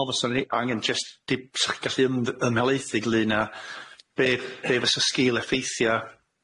me'wl fysa ni angen jyst dim 'sach chi gallu ym- ymhelaethu gyda hynna be' be' fysa sgil effeithia